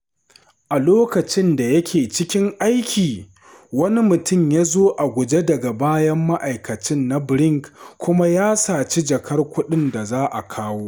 A lokacin da yake cikin aiki, wani mutum “ya zo a guje daga bayan ma’aikacin na Brink” kuma ya saci jakar kuɗi da za a kawo.